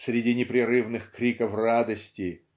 среди непрерывных криков радости